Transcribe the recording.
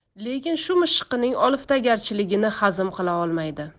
lekin shu mishiqining oliftagarchiligini hazm qila olmaydi